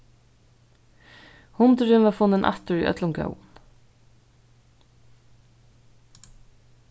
hundurin varð funnin aftur í øllum góðum